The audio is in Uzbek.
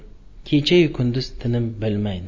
kechayu kunduz tinim bilmaydi